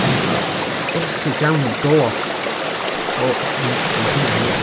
ond mae 'na pethau erchyll iawn yn dod, o, ddim, o hynna hefyd.